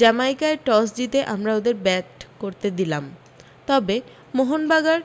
জামাইকায় toss জিতে আমরা ওদের ব্যাট করতে দিলাম তবে মোহনবাগান